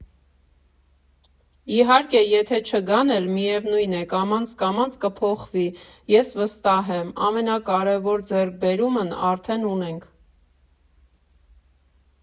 Իհարկե, եթե չգան էլ, միևնույն է՝ կամաց֊կամաց կփոխվի, ես վստահ եմ, ամենակարևոր ձեռքբերումն արդեն ունենք.